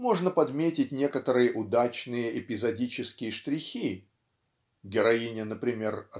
можно подметить некоторые удачные эпизодические штрихи (героиня например